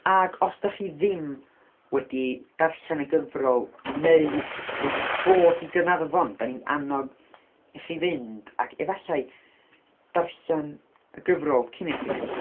Ag os dach chi ddim wedi darllen y gyfrol neu wedi bod i Gaernarfon, dan ni'n annog i chi fynd ac efallai darllen y gyfrol cyn i chi fynd.